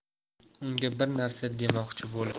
unga bir narsa demoqchi bo'lib